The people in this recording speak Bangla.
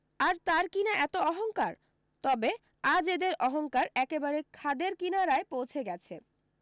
আর তার কিনা এত অহংকার তবে আজ এদের অহংকার একেবারে খাদের কিনারায় পৌছে গেছে